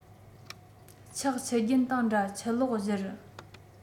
ཆགས ཆུ རྒྱུན དང འདྲ ཆུ ལོག བཞུར